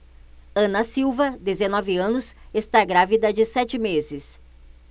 ana silva dezenove anos está grávida de sete meses